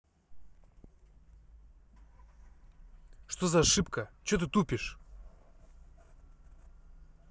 что за ошибка че ты тупишь